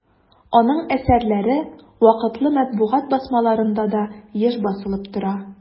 Аның әсәрләре вакытлы матбугат басмаларында да еш басылып тора.